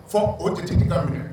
Fɔ o tɛtigikan minɛ